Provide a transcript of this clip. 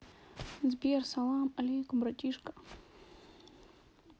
сбер салам алейкум братишка